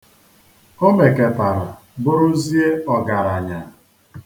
Ọ mekatara bụrụzie ọgaranya.